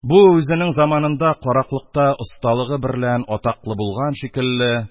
Бу, үзенең заманында караклыкта осталыгы берлән атаклы булган шикелле,